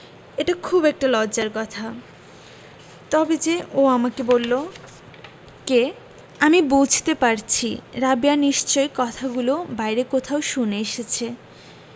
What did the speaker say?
এটা খুব একটা লজ্জার কথা তবে যে ও আমাকে বললো কে আমি বুঝতে পারছি রাবেয়া নিশ্চয়ই কথাগুলো বাইরে কোথাও শুনে এসেছে